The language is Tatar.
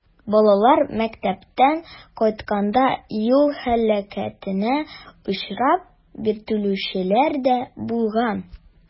Балалар мәктәптән кайтканда юл һәлакәтенә очрап, биртелүчеләр дә булган.